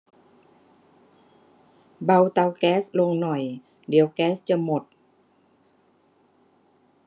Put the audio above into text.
เบาเตาแก๊สลงหน่อยเดี๋ยวแก๊สจะหมด